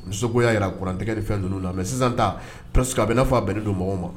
Musogoya jira kurantigɛgɛ de fɛn ninnu na mɛ sisan ta psseke a bɛa' bɛn ne don mɔgɔw ma